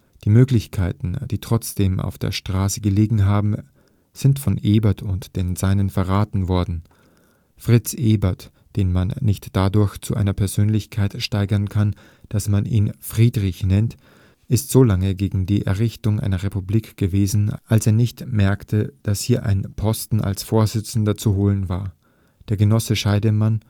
Die Möglichkeiten, die trotzdem auf der Straße gelegen haben, sind von Ebert und den Seinen verraten worden. Fritz Ebert, den man nicht dadurch zu einer Persönlichkeit steigern kann, daß man ihn Friedrich nennt, ist so lange gegen die Errichtung einer Republik gewesen, als er nicht merkte, daß hier ein Posten als Vorsitzender zu holen war; der Genosse Scheidemann